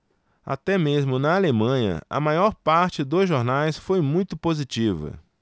até mesmo na alemanha a maior parte dos jornais foi muito positiva